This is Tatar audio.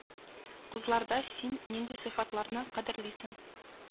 Кызларда син нинди сыйфатларны кадерлисең